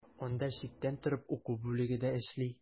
Анда читтән торып уку бүлеге дә эшли.